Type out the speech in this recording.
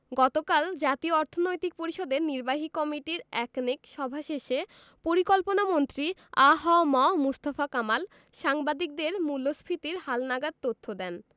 গতকাল জাতীয় অর্থনৈতিক পরিষদের নির্বাহী কমিটির একনেক সভা শেষে পরিকল্পনামন্ত্রী আ হ ম মুস্তফা কামাল সাংবাদিকদের মূল্যস্ফীতির হালনাগাদ তথ্য দেন